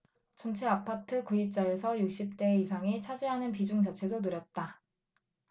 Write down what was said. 전체 아파트 구입자에서 육십 대 이상이 차지하는 비중 자체도 늘었다